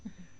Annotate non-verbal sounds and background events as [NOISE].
[HESITATION] [HESITATION]